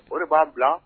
O de b'a bila